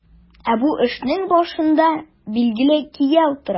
Ә бу эшнең башында, билгеле, кияү тора.